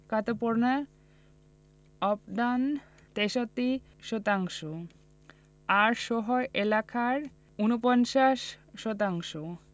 খাদ্যপণ্যের অবদান ৬৩ শতাংশ আর শহর এলাকায় ৪৯ শতাংশ